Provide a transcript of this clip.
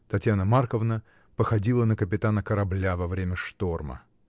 Татьяна Марковна походила на капитана корабля во время шторма.